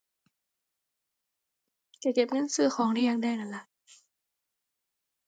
ก็เก็บเงินซื้อของที่อยากได้นั่นล่ะ